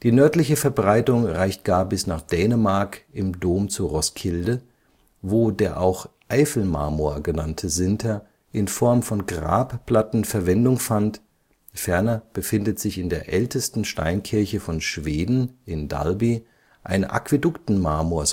nördliche Verbreitung reicht gar bis nach Dänemark im Dom zu Roskilde, wo der auch Eifelmarmor genannte Sinter in Form von Grabplatten Verwendung fand, ferner befindet sich in der ältesten Steinkirche von Schweden in Dalby eine Aquäduktenmarmor-Säule